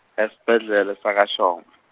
esibhedlela sakaShongwe.